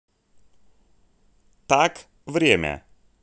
так время